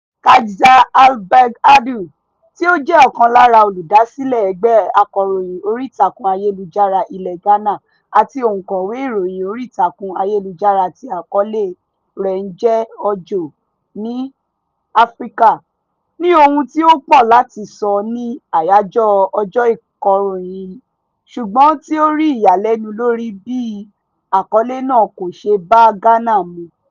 Kajsa Hallberg Adu, tí ó jẹ́ ọ̀kan lára olùdásílẹ̀ ẹgbẹ́ akọ̀ròyìn orí ìtàkùn ayélujára ilẹ̀ Ghana àti òǹkọ̀wé ìròyìn orí ìtàkùn ayélujára tí àkọlé rẹ̀ ń jẹ́ òjò ní Áfríkà, ní ohun tí ó pọ̀ láti sọ ní àyájọ́ ọjọ́ ìkọ̀ròyìn, ṣùgbọ́n tí ó rí ìyàlẹ́nu lórí "bí àkọlé náà kò ṣe bá Ghana mu"